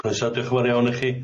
Croesa diolch yn fawr iawn i chi.